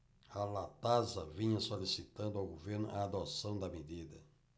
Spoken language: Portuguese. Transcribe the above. a latasa vinha solicitando ao governo a adoção da medida